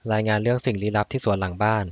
รายงานเรื่องสิ่งลี้ลับที่สวนหลังบ้าน